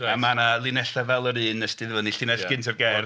Reit... a mae 'na linellau fel yr un wnes 'di ddyfynu llinell... ia. ...gynta'r gerdd.